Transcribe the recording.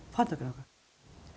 fann dokker noko?